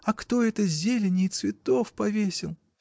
А кто это зелени и цветов повесил?.